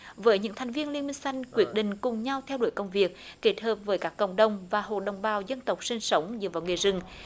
với những thành viên liên minh xanh quyết định cùng nhau theo đuổi công việc kết hợp với các cộng đồng và hộ đồng bào dân tộc sinh sống dựa vào nghề rừng